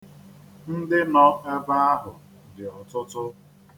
Ndị nọ ebe ahụ dị ọtụtụ.